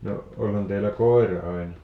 no olihan teillä koira aina